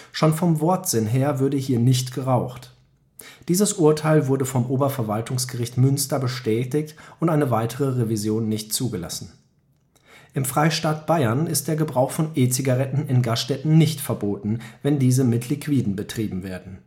Schon vom Wortsinn her würde hier nicht geraucht. Dieses Urteil wurde vom Oberverwaltungsgericht Münster bestätigt und eine weitere Revision nicht zugelassen. Im Freistaat Bayern ist der Gebrauch von E-Zigaretten in Gaststätten nicht verboten, wenn diese mit Liquiden betrieben werden